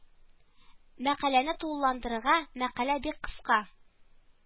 Мәкаләне тулыландырырга мәкалә бик кыска